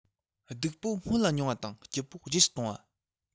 སྡུག པོ སྔོན ལ མྱོང བ དང སྐྱིད པོ རྗེས སུ གཏོང བ